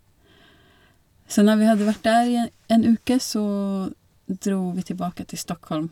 Senn når vi hadde vært der i e en uke, så dro vi tilbake til Stockholm.